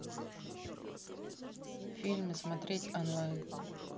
фильмы смотреть онлайн